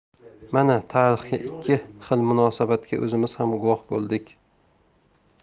mana tarixga ikki xil munosabatga o'zimiz ham guvoh bo'ldik